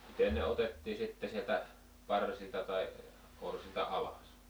miten ne otettiin sitten sieltä parsilta tai orsilta alas